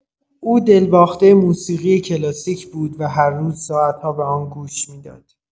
او دل‌باخته موسیقی کلاسیک بود و هر روز ساعت‌ها به آن گوش می‌داد.